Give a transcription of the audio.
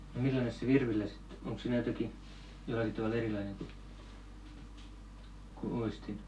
no minkäslainen se virvilä sitten onko siinä jotakin jollakin tavalla erilainen kuin kuin uistin